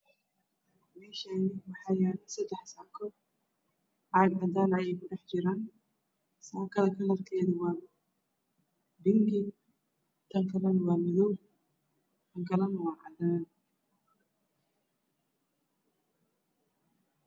Meeshaani waxaa yaalo sadex saako caag cadaan ayey ku dhax jiraan saakada kalarkeedu waa pinki tankalana waa madow tankalana waa cadaan